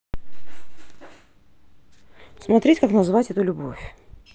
смотреть как назвать эту любовь